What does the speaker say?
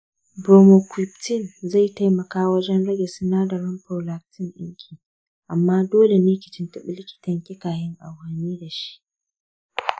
bromocriptine zai taimaka wajen rage sinadarin prolactin ɗinki, amma dole ne ki tuntuɓi likitanki kafin amfani da shi.